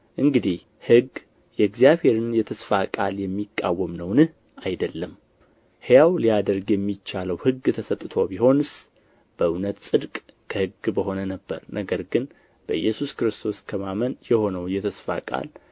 እንግዲህ ሕግ የእግዚአብሔርን የተስፋ ቃል የሚቃወም ነውን አይደለም ሕያው ሊያደርግ የሚቻለው ሕግ ተሰጥቶ ቢሆንስ በእውነት ጽድቅ ከሕግ በሆነ ነበር ነገር ግን በኢየሱስ ክርስቶስ ከማመን የሆነው የተስፋ ቃል